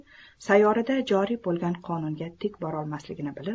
sayyorada joriy bo'lgan qonunga tik borolmasligini bilib